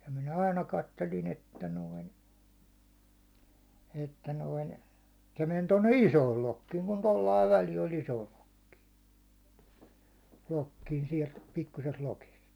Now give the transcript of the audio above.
ja minä aina katselin että noin että noin se meni tuonne isoon lokkiin kun tuolla lailla väli oli isoon lokkiin lokkiin sieltä pikkuisesta lokista